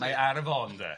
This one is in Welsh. Mae Arfon de.